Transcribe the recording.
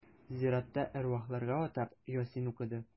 Зиратта әрвахларга атап Ясин укыды.